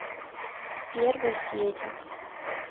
первый федя